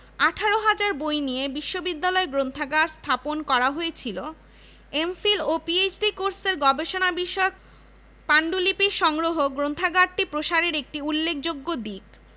সেই লক্ষ্যে ১৯৬১ সালে একজন পরিচালকের দায়িত্বে ছাত্রবিষয়ক বিভাগ খোলা হয় পরবর্তীকালে ১৯৬৬ সালে আলাদা ভবন নির্মাণ করা হলে